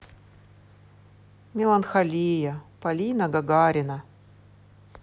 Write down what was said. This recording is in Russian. меланхолия полина гагарина